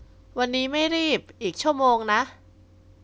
วันนี้ไม่รีบอีกชั่วโมงนะ